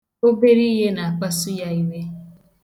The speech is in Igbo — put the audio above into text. Obere ihe na-akpasu ya iwe.